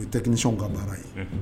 U ye tɛiniiw ka baara ye